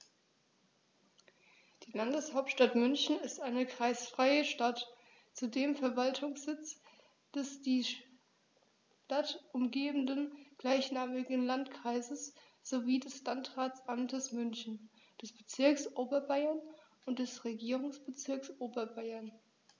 Die Landeshauptstadt München ist eine kreisfreie Stadt, zudem Verwaltungssitz des die Stadt umgebenden gleichnamigen Landkreises sowie des Landratsamtes München, des Bezirks Oberbayern und des Regierungsbezirks Oberbayern.